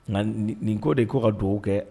Nka nin ko de ko ka dugaw kɛ